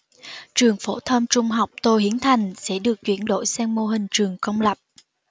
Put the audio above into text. trường phổ thông trung học tô hiến thành sẽ được chuyển đổi sang mô hình trường công lập